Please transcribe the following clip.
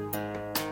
Sanunɛ